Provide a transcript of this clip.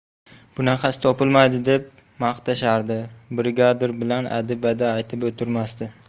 bunaqasi topilmaydi deb maqtashardi brigadir bilan adi badi aytib o'tirmasdi